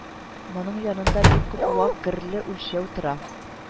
Моның янында бик күп вак герле үлчәү тора